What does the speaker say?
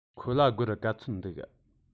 ཁོ ལ སྒོར ག ཚོད འདུག